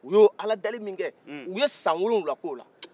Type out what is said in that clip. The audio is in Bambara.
u y'o ala deli min kɛ u ye san wolowula k'ola